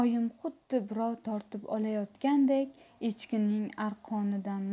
oyim xuddi birov tortib olayotgandek echkining arqonidan